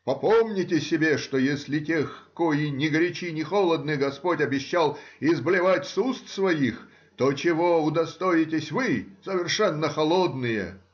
Попомните себе, что если тех, кои ни горячи, ни холодны, господь обещал изблевать с уст своих, то чего удостоитесь вы, совершенно холодные?